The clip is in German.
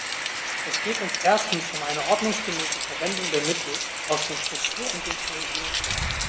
Es geht uns erstens um eine ordnungsgemäße Verwendung der Mittel aus den Struktur- und dem Kohäsionsfonds.